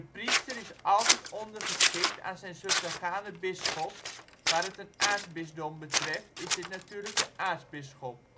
priester is altijd ondergeschikt aan zijn suffragane bisschop (waar het een aartsbisdom betreft is dit natuurlijk de aartsbisschop